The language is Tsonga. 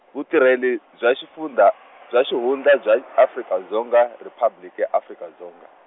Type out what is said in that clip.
Vutirheli bya Xifundzha, bya Xihundla bya Afrika Dzonga Riphabliki ya Afrika Dzonga.